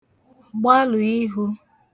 gbalụ̀ ihū